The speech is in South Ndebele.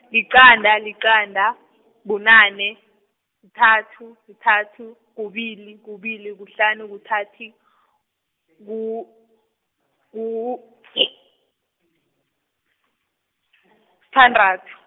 liqanda, liqanda, bunane, kuthathu, kuthathu, kubili, kubili, kuhlanu, kuthathu , ku-, u-, sithandathu.